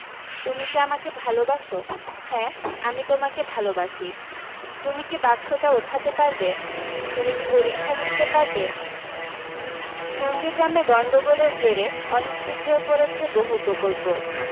তুমি কী আমাকে ভালোবাসো হ্যা আমি তোমাকে ভালোবাসি তুমি কী বাক্সটা ওঠাতে পারবে তুমি কী পরীক্ষা লিখতে পারবে নন্দীগ্রামে গণ্ডগোলের জেরে অনিশ্চিত হয়ে পড়েছে বহু প্রকল্প